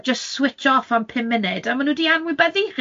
a jyst switch off am pum munud, a maen nhw 'di anwybyddu